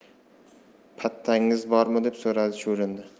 pattangiz bormi deb so'radi chuvrindi